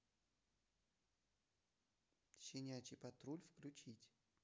щенячий патруль включить